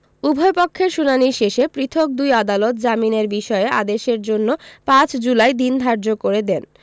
উভয়পক্ষের শুনানি শেষে পৃথক দুই আদালত জামিনের বিষয়ে আদেশের জন্য ৫ জুলাই দিন ধার্য করে দেন